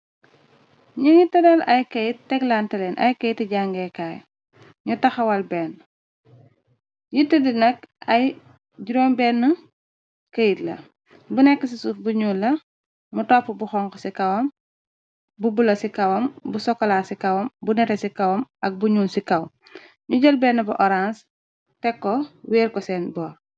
Njii ngi tedal ay keit tek lanteleen, ay keiti jangeh kaay, nju taxawal benn, yi tedi nak ay juromi benue keit la, bu nekue ci suff bu njull la, mu topp bu honhu ci kawam, bu bula ci kawam, bu sokola ci kawam, bu nehteh ci kawam, ak bu njull ci kaw, nju jel benue bu ohrange tek kor, wehrre kor sehn bohrre.